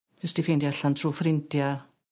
Jyst 'di ffeindio allan trw ffrindia.